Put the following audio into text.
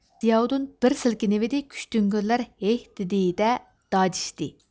زىياۋۇدۇن بىر سىلكىنىۋىدى كۈچتۈڭگۈرلەر ھىھ دېدى دە داجىشتى